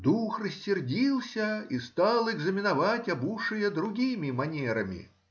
Дух рассердился и стал экзаменовать обушия другими манерами.